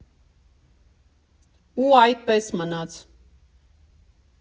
Ու այդպես մնաց։